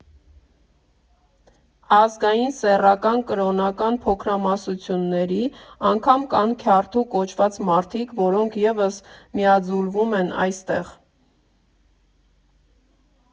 Ազգային, սեռական, կրոնական փոքրամասնությունների, անգամ կան քյարթու կոչված մարդիկ, որոնք ևս միաձուլվում են այստեղ։